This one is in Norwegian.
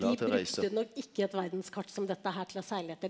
de brukte nok ikke et verdenskart som dette her til å seile etter.